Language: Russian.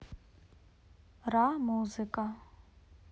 ра музыка